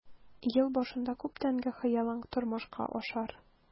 Ел башында күптәнге хыялың тормышка ашар.